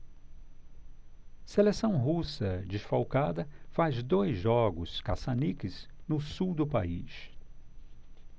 seleção russa desfalcada faz dois jogos caça-níqueis no sul do país